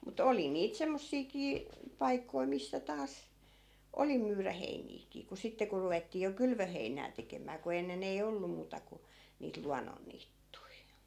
mutta oli niitä semmoisiakin paikkoja missä taas oli myydä heiniäkin kun sitten kun ruvettiin jo kylvöheinää tekemään kun ennen ei ollut muuta kuin niitä luonnonniittyjä